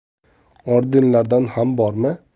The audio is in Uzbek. ordenlardan ham bormi